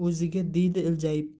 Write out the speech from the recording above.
o'dziga deydi iljayib